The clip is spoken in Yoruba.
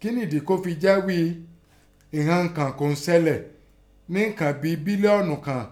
Kẹ́ nẹ̀dí kọ́ fẹ jẹ́ ghíi ìnọn unùkan kọ́ mí sẹlẹ̀ nẹ́ unùkan bẹ́ẹ bílíọ̀nù kàn